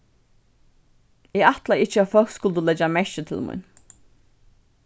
eg ætlaði ikki at fólk skuldu leggja merki til mín